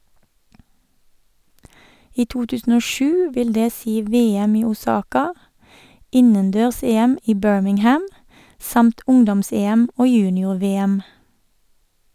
I 2007 vil det si VM i Osaka , innendørs-EM i Birmingham , samt ungdoms-EM og junior-VM.